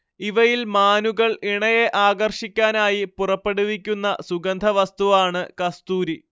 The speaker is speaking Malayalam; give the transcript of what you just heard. ഇവയിൽ മാനുകൾ ഇണയെ ആകർഷിക്കാനായി പുറപ്പെടുവിക്കുന്ന സുഗന്ധവസ്തുവാണ് കസ്തൂരി